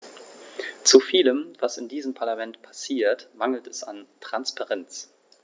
Zu vielem, was in diesem Parlament passiert, mangelt es an Transparenz.